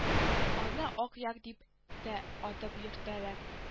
Аны ак як дип тә атап йөртәләр